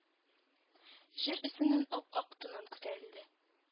Җир өстеннән ап-ак томан күтәрелде.